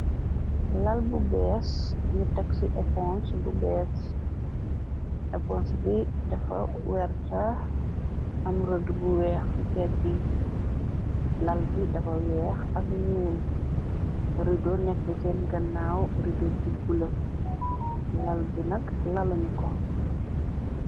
Lal bu bees nu tag ci ponsbuapons bi dafa werta am rëd bu weex ci peg gi lal bi dafa weex ak ñuul rido nekk seen gannaaw rido bu bule lal bi nak lalan ko.